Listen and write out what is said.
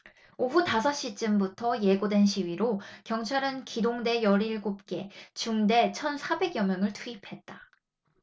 오후 다섯 시쯤부터 예고된 시위로 경찰은 기동대 열 일곱 개 중대 천 사백 여 명을 투입했다